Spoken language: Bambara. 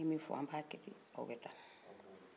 aw ye min fɔ an b'a kɛte aw bɛ ta